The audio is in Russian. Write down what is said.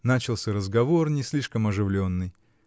Начался разговор, не слишком оживленный.